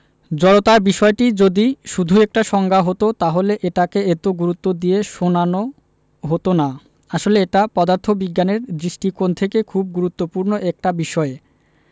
জড়তার বিষয়টি যদি শুধু একটা সংজ্ঞা হতো তাহলে এটাকে এত গুরুত্ব দিয়ে শোনানো হতো না আসলে এটা পদার্থবিজ্ঞানের দৃষ্টিকোণ থেকে খুব গুরুত্বপূর্ণ একটা বিষয়